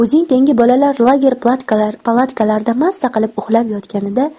o'zing tengi bolalar lager palatkalarida maza qilib uxlab yotganida